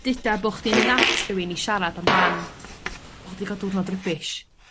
duda bo' chdi yn mynd at rhywun i siarad amdan o dwi ga'l diwrnod rybish